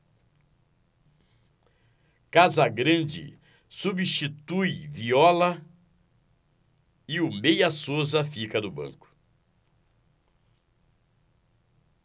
casagrande substitui viola e o meia souza fica no banco